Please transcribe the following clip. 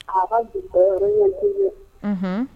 A